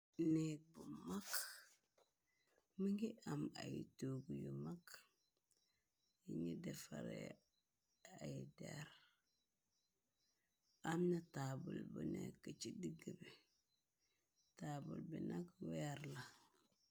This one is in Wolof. Neek bu max mi ngi am ay tugg yu mag yi ni defare ay dar. Am na taabal bu nekk ci digg be taabal bi nag wear la.